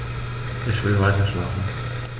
Ich will weiterschlafen.